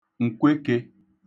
ǹkwekē